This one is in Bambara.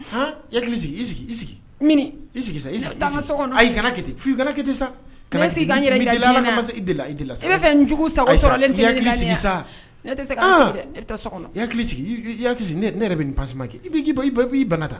Ya hakili sigi sigi i sigi mini i sigi ten f sa i la i e bɛ fɛ njugu sago hakili sigi ne yɛrɛ bɛ nin basi ma kɛ i b'i bana ta